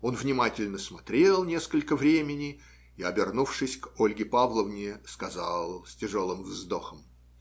Он внимательно смотрел несколько времени и, обернувшись к Ольге Павловне, сказал с тяжелым вздохом